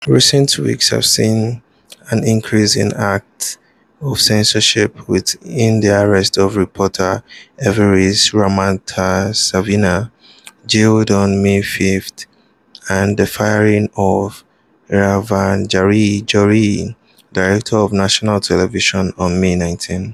Recent weeks have seen an increase in acts of censorship, with in the arrest of reporter Evariste Ramanatsoavina, jailed on May, 5th, and the firing of Ravoajanahary Johary, director of National Television on May 19th.